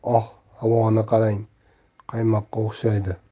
qarang qaymoqqa o'xshaydi